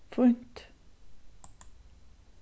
fínt